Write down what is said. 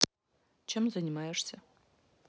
чем занимаешься